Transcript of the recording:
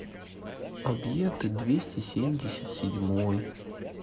объект двести семьдесят седьмой